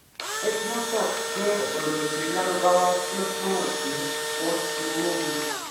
Etmasakt jẹ́ ọ̀rọ̀ èdè Lárúbáwá tí ó túmọ̀ sí "Wọ́n ti mú mi".